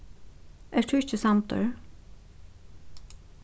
ert tú ikki samdur